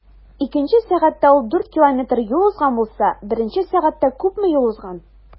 Икенче сәгатьтә ул 4 км юл узган булса, беренче сәгатьтә күпме юл узган?